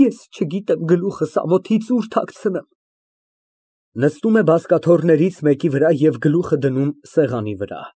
Ես չգիտեմ գլուխս ամոթից ուր թաքցնեմ։ (Նստում է բազկաթոռներից մեկի վրա և գլուխը դնում սեղանի վրա)։